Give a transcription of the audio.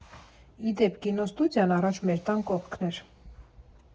Ի դեպ՝ կինոստուդիան առաջ մեր տան կողքն էր։